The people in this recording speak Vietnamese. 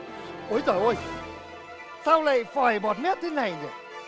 ối dồi ơi sao lại phòi bọt mép thế này nhở